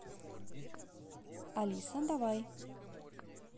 алиса давай